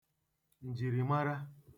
ǹjìrìmara